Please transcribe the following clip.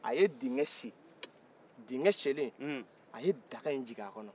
a ye digɛn se dingɛn senen a ye daga nin jiguin a kɔnɔ